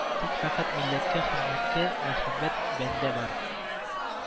Тик фәкать милләткә хезмәткә мәхәббәт бәндә бар